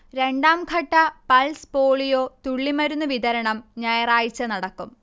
രണ്ടാംഘട്ട pulse polio തുള്ളിമരുന്ന് വിതരണം ഞായറാഴ്ച നടക്കും